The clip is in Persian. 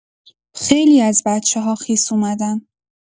خیلی از بچه‌ها خیس اومدن.